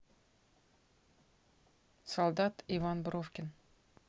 солдат иван бровкин